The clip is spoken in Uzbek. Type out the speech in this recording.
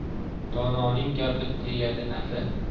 dononing gapi tegadi nafi